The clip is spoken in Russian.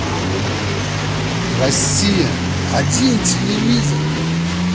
россия один телевизор